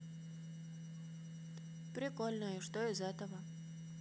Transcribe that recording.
прикольно и что из этого